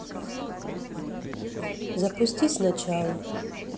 запусти сначала